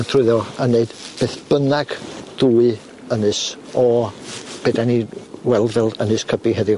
Trwyddo fo a neud beth bynnag dwy ynys o be' 'da ni weld fel Ynys Cybi heddiw.